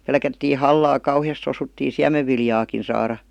pelättiin hallaa kauheasti jos osuttiin siemenviljaakin saada